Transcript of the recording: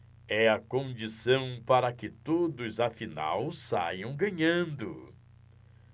é a condição para que todos afinal saiam ganhando